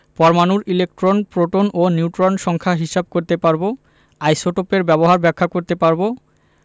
পরমাণুর electron proton ও neutron সংখ্যা হিসাব করতে পারব আইসোটোপের ব্যবহার ব্যাখ্যা করতে পারব